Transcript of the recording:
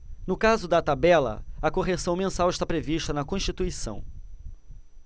no caso da tabela a correção mensal está prevista na constituição